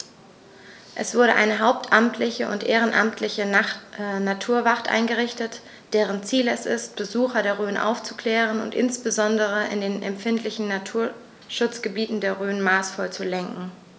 Es wurde eine hauptamtliche und ehrenamtliche Naturwacht eingerichtet, deren Ziel es ist, Besucher der Rhön aufzuklären und insbesondere in den empfindlichen Naturschutzgebieten der Rhön maßvoll zu lenken.